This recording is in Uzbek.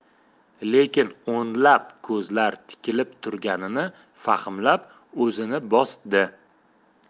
lekin o'nlab ko'zlar tikilib turganini fahmlab o'zini bosdi